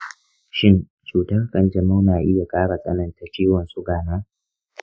shin cutar kanjamau na iya ƙara tsananta ciwon suga na?